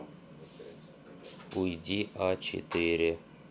уйди а четыре